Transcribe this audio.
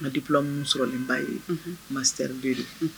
N ma di bila minnu sɔrɔlen'a ye ma seri bɛ don